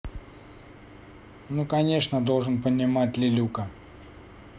ну конечно должен понимать лелюка